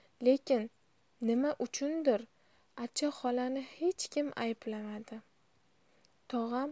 lekin nima uchundir acha xolani hech kim ayblamadi